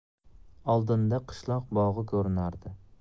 oldinda qishloq bog'i ko'rinardi